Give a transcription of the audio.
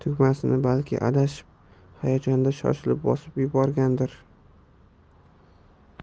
tugmasini balki adashib hayajonda shoshilib bosib yuborgandir